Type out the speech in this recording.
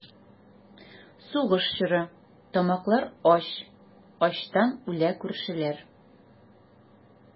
Сугыш чоры, тамаклар ач, Ачтан үлә күршеләр.